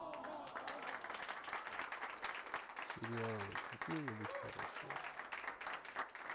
сериалы какие нибудь хорошие